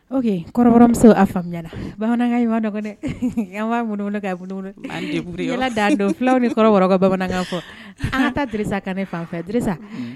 Omuso a faamuya bamanankan yan minnu don fulaw ni ka bamanan fɔ an ka ne fanfɛ